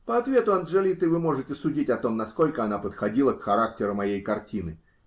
По ответу Анджолиты вы можете судить о том, насколько она подходила к характеру моей картины.